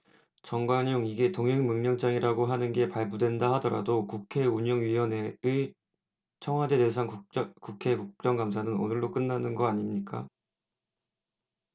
정관용 이게 동행명령장이라고 하는 게 발부된다 하더라도 국회 운영위원회의 청와대 대상 국회 국정감사는 오늘로 끝나는 거 아닙니까